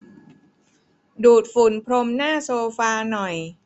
ดูดฝุ่นพรมหน้าโซฟาหน่อย